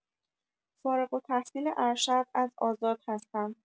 فارغ‌التحصیل ارشد از آزاد هستم.